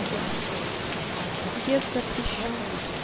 въезд запрещен